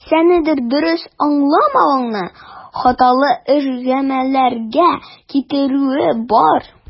Нәрсәнедер дөрес аңламавыңның хаталы эш-гамәлләргә китерүе бар.